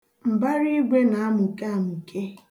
Mbaraigwe na-amụke amụke